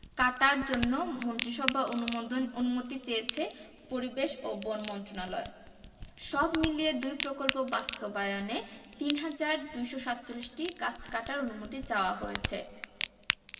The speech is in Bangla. কাটার জন্য মন্ত্রিসভার অনুমোদনঅনুমতি চেয়েছে পরিবেশ ও বন মন্ত্রণালয় সব মিলিয়ে দুই প্রকল্প বাস্তবায়নে ৩হাজার ২৪৭টি গাছ কাটার অনুমতি চাওয়া হয়েছে